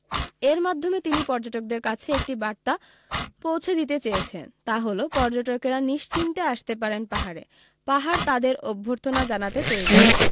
এর মাধ্যমে তিনি পর্যটকদের কাছে একটি বার্তা পৌঁছে দিতে চেয়েছেন তা হল পর্যটকেরা নিশ্চিন্তে আসতে পারেন পাহাড়ে পাহাড় তাঁদের অভ্যর্থনা জানাতে তৈরী